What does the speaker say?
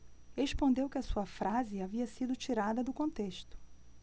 respondeu que a sua frase havia sido tirada do contexto